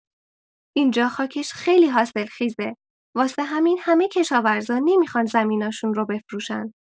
اینجا خاکش خیلی حاصلخیزه، واسه همین همه کشاورزا نمی‌خوان زمیناشون رو بفروشن.